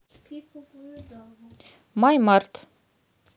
май март